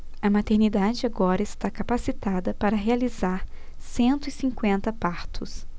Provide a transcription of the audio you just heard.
a maternidade agora está capacitada para realizar cento e cinquenta partos